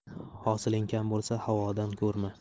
hosiling kam bo'lsa havodan ko'rma